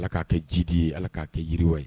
Allah k'a kɛ jidi ye allah k'a kɛ yiriwa ye!